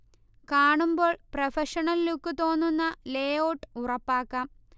കാണുമ്പോൾ professional look തോന്നുന്ന layout ഉറപ്പാക്കാം